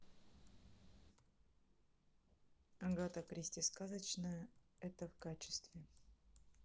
агата кристи сказочная это в качестве